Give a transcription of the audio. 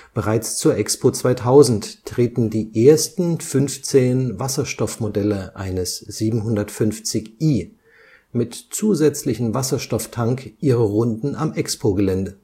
Bereits zur Expo 2000 drehten die ersten 15 „ Wasserstoff-Modelle “eines 750i (E38) - Modells, mit zusätzlichem Wasserstofftank, ihre Runden am Expo-Gelände